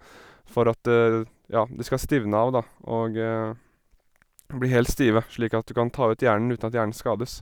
For at, ja, de skal stivne av, da, og bli helt stive, slik at du kan ta ut hjernen uten at hjernen skades.